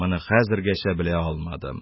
Моны хәзергәчә белә алмадым